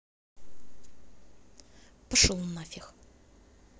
пошел на фиг